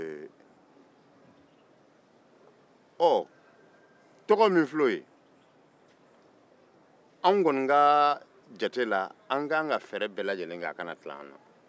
anw kɔni ka jate la an ka kan ka fɛɛrɛ bɛɛ lajelen a kana tila an na